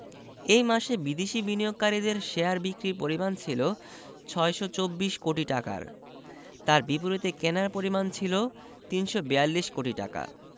এ মাসে বিদেশি বিনিয়োগকারীদের শেয়ার বিক্রির পরিমাণ ছিল ৬২৪ কোটি টাকার তার বিপরীতে কেনার পরিমাণ ছিল ৩৪২ কোটি টাকা